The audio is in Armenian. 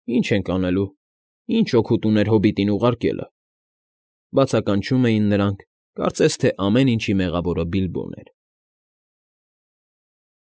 Ի՞նչ ենք անելու, ի՞նչ օգուտ ուներ հոբիտին ուղարկելը,֊ բացականչում էին նրանք, կարծես թե ամեն ինչի մեղավորը Բիլբոն էր։